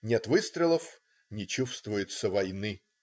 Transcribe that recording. Нет выстрелов - не чувствуется войны.